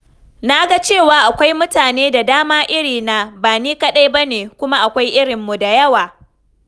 Na ga cewa akwai mutane da dama irina, ba ni kaɗai ba ne kuma akwai irinmu da yawa!